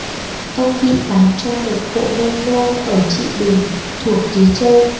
ông bị bán cho một hộ nông nô ở trị bình thuộc ký châu